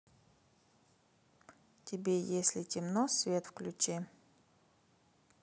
тебе если темно свет включи